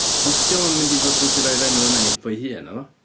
Ond dio'm yn mynd i fod wedi rhoi'r enw yna i fo ei hun, naddo?